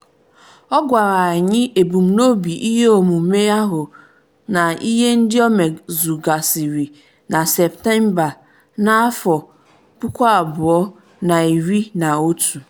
Ọ gwara anyị ebumnobi ihe omume ahụ na ihe ndị o mezugasịrị na Septemba 2011.